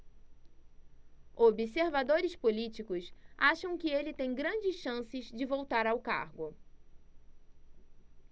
observadores políticos acham que ele tem grandes chances de voltar ao cargo